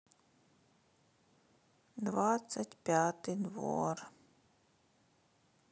двадцать пятый двор